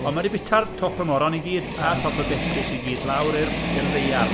Ond ma' 'di byta'r top y moron i gyd... O! ...a top y betys i gyd, lawr i'r i'r ddaear.